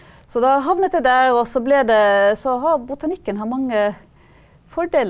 så da havnet jeg der, og så ble det så har botanikken har mange fordeler.